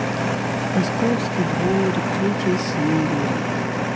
московский дворик третья серия